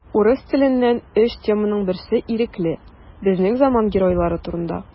Урыс теленнән өч теманың берсе ирекле: безнең заман геройлары турында.